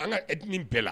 An ka edimi bɛɛ la